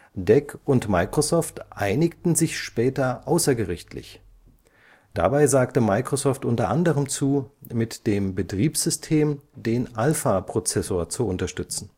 DEC und Microsoft einigten sich später außergerichtlich, dabei sagte Microsoft unter anderem zu, mit dem Betriebssystem den Alpha-Prozessor zu unterstützen